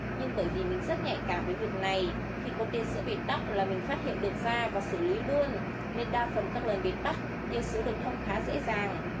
nhưng bởi vì mình rất nhạy cảm với việc này khi có tia sữa bị tắc là mình phát hiện được ra và xử lý luôn nên đa phần các lần bị tắc tia sữa được thông khá dễ dàng